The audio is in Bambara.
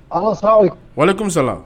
Wa ne kurusala